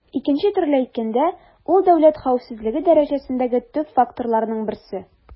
Икенче төрле әйткәндә, ул дәүләт хәвефсезлеге дәрәҗәсендәге төп факторларның берсе.